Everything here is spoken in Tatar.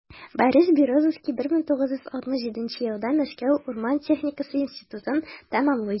Борис Березовский 1967 елда Мәскәү урман техникасы институтын тәмамлый.